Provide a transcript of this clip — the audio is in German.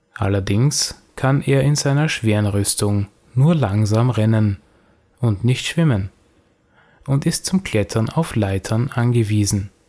Allerdings kann er in seiner schweren Rüstung nur langsam rennen und nicht schwimmen und ist zum Klettern auf Leitern angewiesen